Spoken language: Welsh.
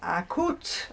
A, a cwt.